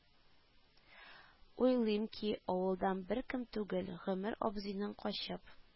Уйлыйм ки, авылдан беркем түгел, Гомәр абзыйның качып